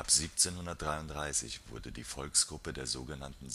1733 wurde die Volksgruppe der sog.